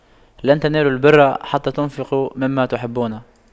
لَن تَنَالُواْ البِرَّ حَتَّى تُنفِقُواْ مِمَّا تُحِبُّونَ